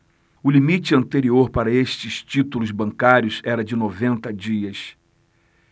o limite anterior para estes títulos bancários era de noventa dias